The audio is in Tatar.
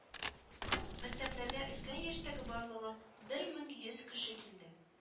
Мәктәпләргә өлкән яшьтәге барлыгы бер мең бер йөз кеше килде